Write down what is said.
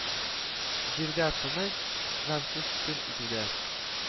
Җирдә тыныч, гамьсез көн итүдән